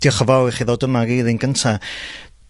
dioch yn fawr i chi ddod yma rili'n gynta.